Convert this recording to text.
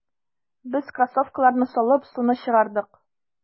Без кроссовкаларны салып, суны чыгардык.